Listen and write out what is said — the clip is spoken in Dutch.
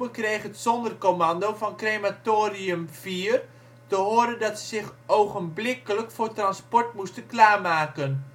kreeg het Sonderkommando van crematorium IV te horen dat ze zich ogenblikkelijk voor transport moesten klaarmaken